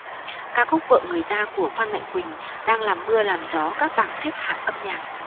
ca khúc vợ người ta của phan mạnh quỳnh đang làm mưa làm gió các bảng xếp hạng âm nhạc